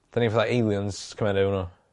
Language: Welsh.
'Dan ni fatha aliens cymaru efo n'w.